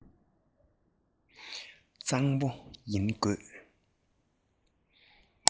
གཙང པོ ཡིན དགོས